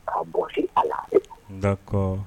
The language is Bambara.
K kaa bɔ a la na